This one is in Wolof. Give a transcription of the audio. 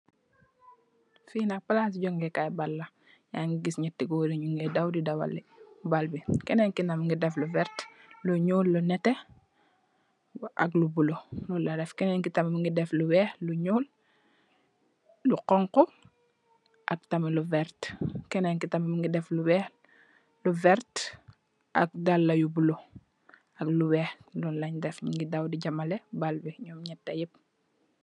Fii nak plassi johngeh kaii bal la, yaangy gis njehti gorre yii njungeh daw dii dawaleh bal bii, kenen kii nak mungy deff lu vertue, lu njull, lu nehteh, ak lu bleu, lolu la deff, kenen kii tamit mungy deff lu wekh, njull, lu khonku, ak tamit lu vertue, kenen kii tamit mungy deff lu wekh, lu vertue ak daalah yu bleu ak lu wekh, lolu lengh deff, njungy daw dii jehmaleh bal bii njom njehtah yhep.